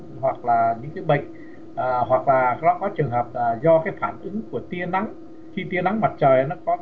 hoặc là những cái bệnh hoặc là nó có trường hợp là do phản ứng của tia nắng khi tia nắng mặt trời rất có